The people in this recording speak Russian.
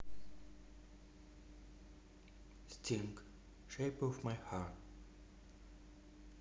стинг шейп оф май харт